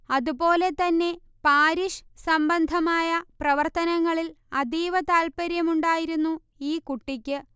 അതുപോലെ തന്നെ പാരിഷ് സംബന്ധമായ പ്രവർത്തനങ്ങളിൽ അതീവ താൽപര്യമുണ്ടായിരുന്നു ഈ കുട്ടിക്ക്